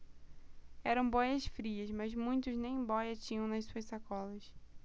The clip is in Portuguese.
eram bóias-frias mas muitos nem bóia tinham nas suas sacolas